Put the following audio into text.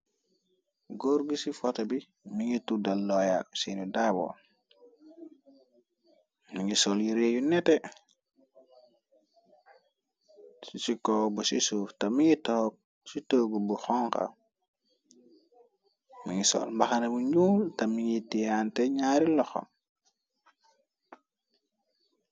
Gorgu ci fota bi, mingi tuddal looyaaw sinu daabool, mingi sol yi réeyu nete, ci ko bu ci suuf te mingi toog ci toggu bu xonga, mingi sol mbaxana bu njuul, ta mingi tiaante ñaari loxam.